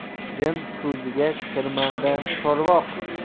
jin ko'ziga chirmanda chorvoq